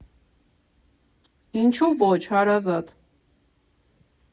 Ինչու ոչ՝ հարազատ։